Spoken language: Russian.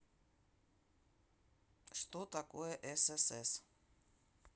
что такое ссс